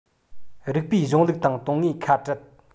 རིགས པའི གཞུང ལུགས དང དོན དངོས ཁ བྲལ